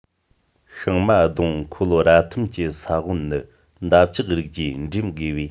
ཤིང མ སྡོང ཁོ ལོ ར ཐུམ གྱི ས བོན ནི འདབ ཆགས རིགས ཀྱིས འགྲེམ དགོས པས